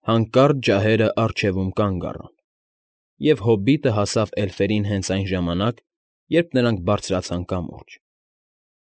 Հանկարծ ջահերն առջևում կանգ առան, և հոբիտը հասավ էլֆերին հենց այն ժամանակ, երբ նրանք բարձրացան կամուրջը։